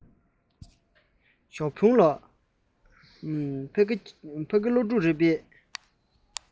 ཞའོ ཧྥུང ལགས ཕ གི སློབ ཕྲུག རེད པས